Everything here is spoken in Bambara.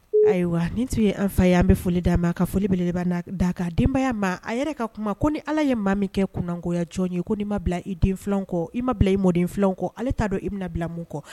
Ayiwa nin tun ye an fa y anan bɛ foli d'a ma ka foli bele da denbaya ma a yɛrɛ ka kuma ko ni ala ye maa min kɛ kungoya jɔn ye ko nin ma bila iden kɔ i ma bila i mɔdenfi kɔ ale t'a dɔn i bɛna na bila mun kɔ